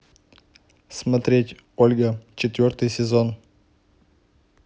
смотреть ольга четвертый сезон